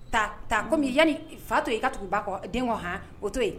Taa taa kɔmi yani fa to yen i ka tugu ba kɔ den kɔ han o to yen